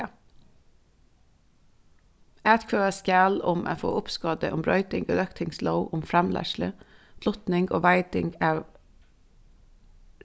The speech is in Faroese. dag atkvøðast skal um at fáa uppskotið um broyting í løgtingslóg um framleiðslu flutning og veiting av